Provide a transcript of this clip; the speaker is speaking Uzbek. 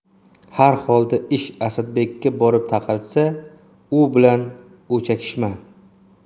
har holda ish asadbekka borib taqalsa u bilan o'chakishma